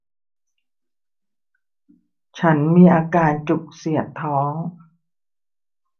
ฉันมีอาการจุกเสียดท้อง